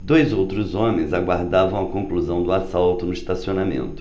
dois outros homens aguardavam a conclusão do assalto no estacionamento